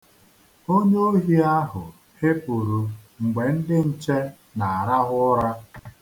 Onye ohi ahụ hepuru mgbe ndị nche na-arahụ ụra.